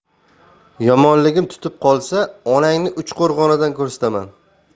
yomonligim tutib qolsa onangni uchqo'rg'ondan ko'rsataman